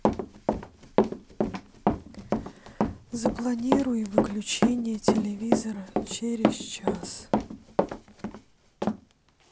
запланируй выключение телевизора через час